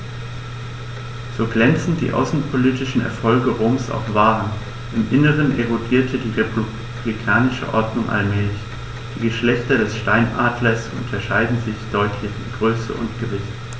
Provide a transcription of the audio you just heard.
So glänzend die außenpolitischen Erfolge Roms auch waren: Im Inneren erodierte die republikanische Ordnung allmählich. Die Geschlechter des Steinadlers unterscheiden sich deutlich in Größe und Gewicht.